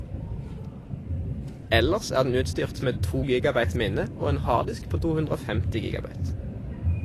Ellers er den utstyrt med to gigabyte minne og en harddisk på 250 gigabyte.